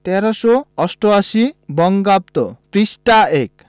১৩৮৮ বঙ্গাব্দ পৃষ্ঠা ১